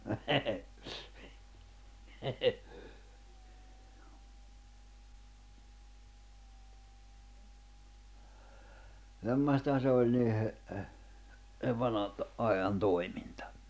semmoistahan se oli niiden sen vanhan - ajan toiminta